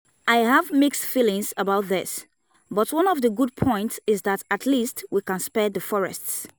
I have mixed feelings about this, but one of the good points is that at least we can spare the forests.